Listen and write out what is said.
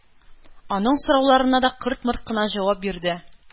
Аның сорауларына да кырт-мырт кына җавап бирде.